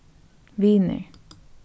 vinir